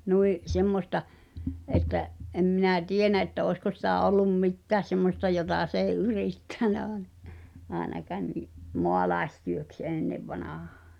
niin semmoista että en minä tiedä että olisiko sitä ollut mitään semmoista jota se ei yrittänyt aina ainakaan niin maalaistyöksi ennen vanhaan